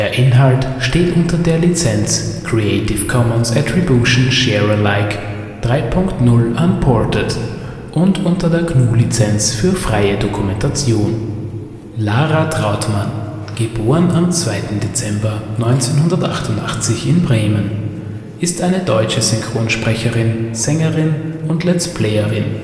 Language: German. Inhalt steht unter der Lizenz Creative Commons Attribution Share Alike 3 Punkt 0 Unported und unter der GNU Lizenz für freie Dokumentation. Lara Trautmann (* 2. Dezember 1988 in Bremen) ist eine deutsche Synchronsprecherin, Sängerin und Lets Playerin